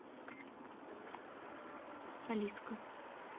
алиска